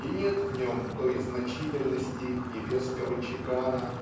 и нет в нем той значительности и веского чекана